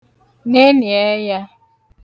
nenì ẹyā